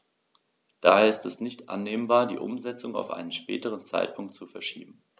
Daher ist es nicht annehmbar, die Umsetzung auf einen späteren Zeitpunkt zu verschieben.